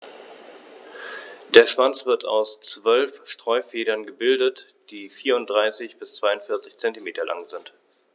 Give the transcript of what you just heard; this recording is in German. Der Schwanz wird aus 12 Steuerfedern gebildet, die 34 bis 42 cm lang sind.